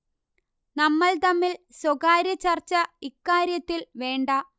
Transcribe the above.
നമ്മൾ തമ്മിൽ സ്വകാര്യ ചർച്ച ഇക്കാര്യത്തിൽ വേണ്ട